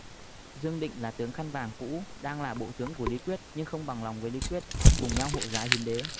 dương định là tướng khăn vàng cũ đang là bộ tướng của lý quyết nhưng không bằng lòng với lý quyết cùng nhau hộ giá hiến đế